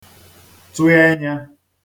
tụ ẹnyā